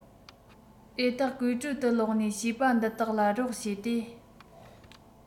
དེ དག ཀུའེ ཀྲོའུ དུ ལོག ནས བྱིས པ འདི དག ལ རོགས བྱས ཏེ